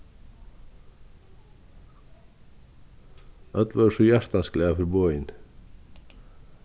øll vóru so hjartans glað fyri boðini